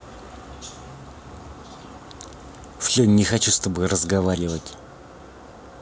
все не хочу с тобой разговаривать